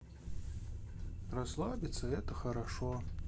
расслабиться это хорошо